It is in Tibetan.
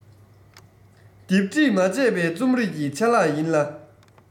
སྡེབ བསྒྲིགས མ བྱས པའི རྩོམ རིག གི ཆ ལག ཡིན ལ